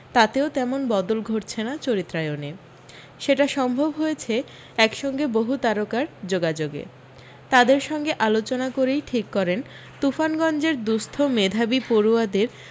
তাতেও তেমন বদল ঘটছে না চরিত্রায়ণে সেটা সম্ভব হয়েছে একসঙ্গে বহু তারকার যোগাযোগে তাঁদের সঙ্গে আলোচনা করেই ঠিক করেন তুফানগঞ্জের দুস্থ মেধাবী পড়ুয়াদের